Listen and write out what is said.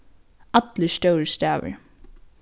allir stórir stavir